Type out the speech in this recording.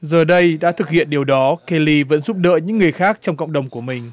giờ đây đã thực hiện điều đó ke ly vẫn giúp đỡ những người khác trong cộng đồng của mình